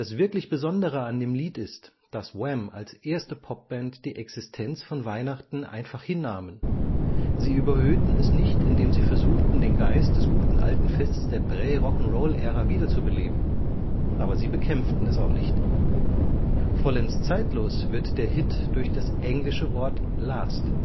wirklich Besondere an dem Lied ist, daß Wham als erste Popband die Existenz von Weihnachten einfach hinnahmen: Sie überhöhten es nicht, indem sie versuchten, den Geist des guten, alten Fests der Prä-Rock -’ n’ - Roll-Ära wiederzubeleben – aber sie bekämpften es auch nicht. … Vollends zeitlos wird der Hit durch das englische Wort last